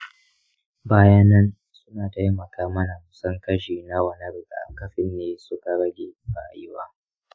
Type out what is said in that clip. bayanan suna taimaka mana mu san kashi nawa na rigakafin ne suka rage ba a yi ba.